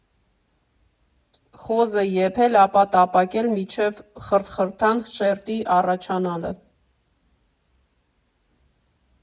Խոզը եփել, ապա տապակել մինչև խրթխրթան շերտի առաջանալը։